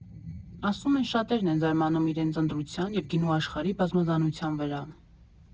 Ասում են՝ շատերն են զարմանում իրենց ընտրության և գինու աշխարհի բազմազանության վրա։